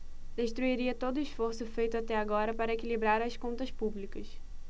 destruiria todo esforço feito até agora para equilibrar as contas públicas